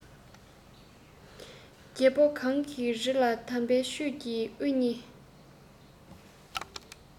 རྒྱལ པོ གང གི རིང ལ དམ པའི ཆོས ཀྱི དབུ བརྙེས